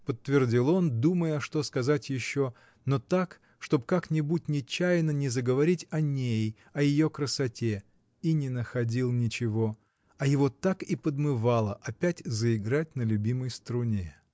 — подтвердил он, думая, что сказать еще, но так, чтоб как-нибудь нечаянно не заговорить о ней, о ее красоте, — и не находил ничего, а его так и подмывало опять заиграть на любимой струне.